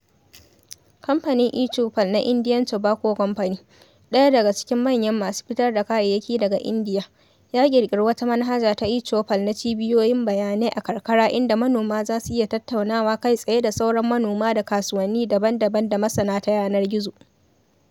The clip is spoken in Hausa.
Kamfanin eChoupal na Indian Tobacco Company, ɗaya daga cikin manyan masu fitar da kayayyaki daga Indiya, ya ƙirƙiri wata manhaja ta eChoupal na cibiyoyin bayanai a karkara inda manoma za su iya tattaunawa kai tsaye da sauran manoma da kasuwanni daban-daban da masana ta yanar gizo.